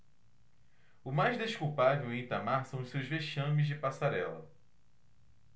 o mais desculpável em itamar são os seus vexames de passarela